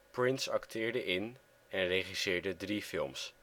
Prince acteerde in, en regisseerde drie films